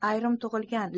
ayrim ayrim tug'ilgan